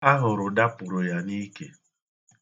Ahụrụ dapụrụ ya n'ike.